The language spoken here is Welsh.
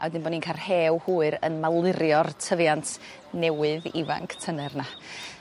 a wedyn bo' ni'n ca'l rhew hwyr yn malurio'r tyfiant newydd ifanc tynner 'na.